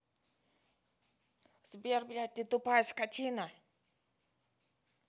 сбер блядь ты тупая скотина